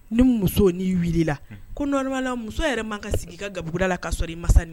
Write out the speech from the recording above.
Ni muso n'i wili ko muso yɛrɛ man ka sigi i ka gauguda la ka sɔrɔ masa